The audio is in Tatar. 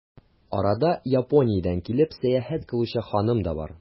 Арада, Япониядән килеп, сәяхәт кылучы ханым да бар.